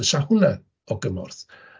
Fysa hwnna o gymorth?